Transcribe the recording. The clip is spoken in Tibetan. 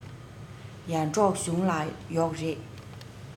ཡར འབྲོག གཞུང ལ ཡོག རེད